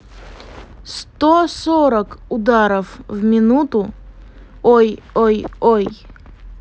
сто сорок udarov v minutu ой ой ой